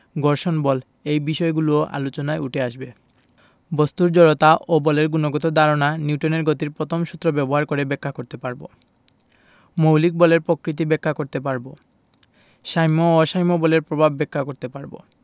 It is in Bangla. ঘর্ষণ বল এই বিষয়গুলোও আলোচনায় উঠে আসবে বস্তুর জড়তা ও বলের গুণগত ধারণা নিউটনের গতির প্রথম সূত্র ব্যবহার করে ব্যাখ্যা করতে পারব মৌলিক বলের প্রকৃতি ব্যাখ্যা করতে পারব সাম্য ও অসাম্য বলের প্রভাব ব্যাখ্যা করতে পারব